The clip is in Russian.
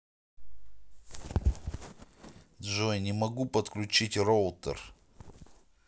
джой не могу подключить роутер